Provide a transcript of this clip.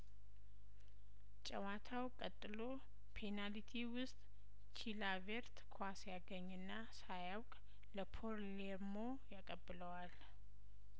ጨዋታው ቀጥሎ ፔናልቲ ውስጥ ቺላቬርት ኳስ ያገኝና ሳያውቅ ለፓሌርሞ ያቀብለዋል